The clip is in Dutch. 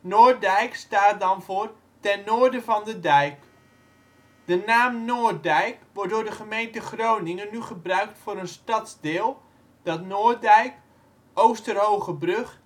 Noorddijk staat dan voor " ten noorden van de dijk " De naam Noorddijk wordt door de gemeente Groningen nu gebruikt voor een stadsdeel dat Noorddijk, Oosterhoogebrug